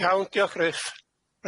Iawn diolch Griff. Reit.